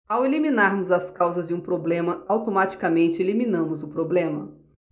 ao eliminarmos as causas de um problema automaticamente eliminamos o problema